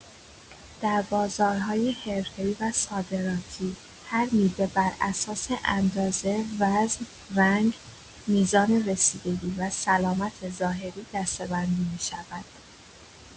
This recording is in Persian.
در بازارهای حرفه‌ای و صادراتی، هر میوه براساس اندازه، وزن، رنگ، میزان رسیدگی و سلامت ظاهری دسته‌بندی می‌شود.